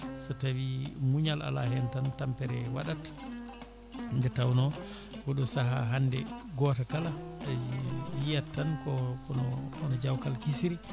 so tawi muñal ala hen tan tampere waɗat nde tawno oɗo saaha hande goto kala yiiyata tan kono kono jawkal kiisiri